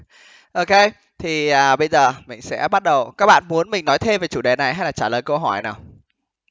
ô kê thì bây giờ mình sẽ bắt đầu các bạn muốn mình nói thêm về chủ đề này hay là trả lời câu hỏi nào